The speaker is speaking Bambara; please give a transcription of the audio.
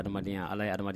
Hadamadenya Ala .